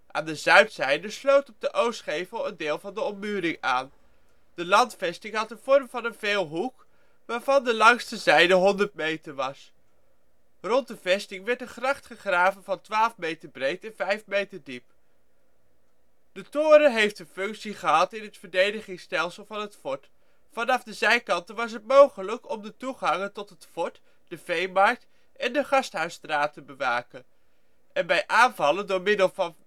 Aan de zuidzijde sluit op de oostgevel een deel van die ommuring aan. De landvesting had de vorm van een veelhoek, waarvan de langste zijde 100 meter was. Rond de vesting werd een gracht gegraven van 12 meter breed en 5 meter diep. De toren heeft een functie gehad in het verdedigingsstelsel van het fort. Vanaf de zijkanten was het mogelijk om de toegangen tot het fort, de veemarkt en de Gasthuisstraat te bewaken en bij aanvallen door middel van